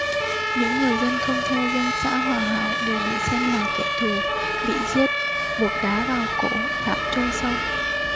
những người dân không theo dân xã hòa hảo đều bị xem là kẻ thù bị giết buộc đá vào cổ thả trôi sông